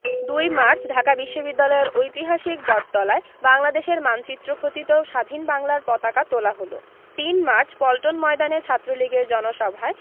২ March Dhaka বিশ্ববিদ্যালয়ের ঐতিহাসিক বটতলায় বাংলাদেশের মানচিত্র খচিত স্বাধীন বাংলার পতাকা তোলা হলো ৩ মার্চ পল্টন ময়দানে ছাত্রলীগের জনসভায়